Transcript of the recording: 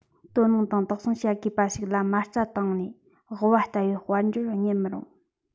དོ སྣང དང དོགས ཟོན བྱ དགོས པ ཞིག ལ མ རྩ བཏང ནས ལྦུ བ ལྟ བུའི དཔལ འབྱོར གཉེར མི རུང